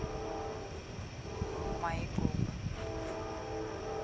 мои губы